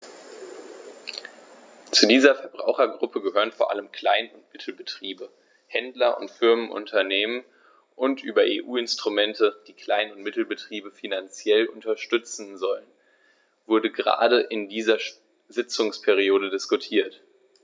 Zu dieser Verbrauchergruppe gehören vor allem Klein- und Mittelbetriebe, Händler und Familienunternehmen, und über EU-Instrumente, die Klein- und Mittelbetriebe finanziell unterstützen sollen, wurde gerade in dieser Sitzungsperiode diskutiert.